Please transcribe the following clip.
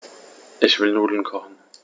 Ich will Nudeln kochen.